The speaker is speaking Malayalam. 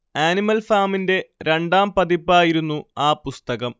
ആനിമൽ ഫാമിന്റെ രണ്ടാം പതിപ്പായിരുന്നു ആ പുസ്തകം